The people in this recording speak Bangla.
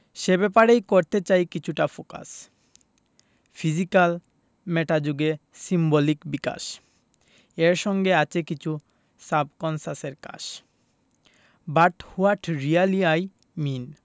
সে ব্যাপারেই করতে চাই কিছুটা ফোকাস ফিজিক্যাল মেটা যোগে সিম্বলিক বিকাশ এর সঙ্গে আছে কিছু সাবকন্সাসের কাশ but what really I mean